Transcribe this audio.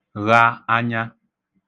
gha anya